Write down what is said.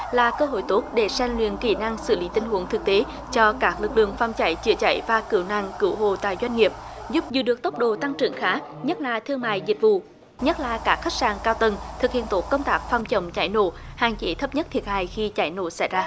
là cơ hội tốt để rèn luyện kỹ năng xử lý tình huống thực tế cho các lực lượng phòng cháy chữa cháy và cứu nạn cứu hộ tại doanh nghiệp giúp giữ được tốc độ tăng trưởng khá nhất là thương mại dịch vụ nhất là các khách sạn cao tầng thực hiện tốt công tác phòng chống cháy nổ hạn chế thấp nhất thiệt hại khi cháy nổ xảy ra